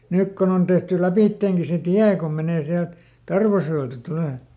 nyt kun on tehty lävitsekin se tie kun menee sieltä Tarvasjoelta tulee